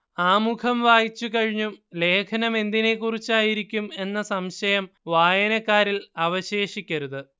ആമുഖം വായിച്ചുകഴിഞ്ഞും ലേഖനമെന്തിനെക്കുറിച്ചായിരിക്കും എന്ന സംശയം വായനക്കാരിൽ അവശേഷിക്കരുത്